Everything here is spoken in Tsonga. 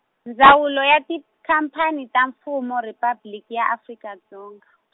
Ndzawulo ya Tikhampani ta Mfumo Riphabliki ya Afrika Dzonga.